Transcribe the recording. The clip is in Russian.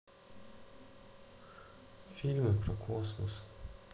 фильмы про космос